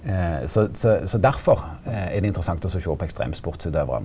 så så så derfor er det interessant også sjå på ekstremsportsutøvarane.